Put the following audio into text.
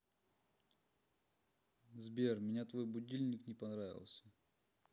сбер меня твой будильник не понравился